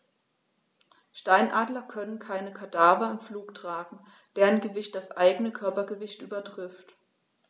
Steinadler können keine Kadaver im Flug tragen, deren Gewicht das eigene Körpergewicht übertrifft.